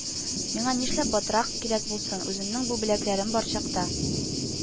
Миңа нишләп батрак кирәк булсын үземнең бу беләкләрем бар чакта